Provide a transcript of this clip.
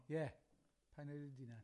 Ie, pai neud ynna.